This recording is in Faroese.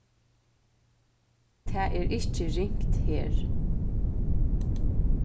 tað er ikki ringt her